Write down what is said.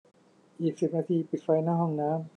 อีกสิบนาทีปิดไฟหน้าห้องน้ำ